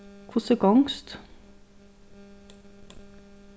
hvussu gongst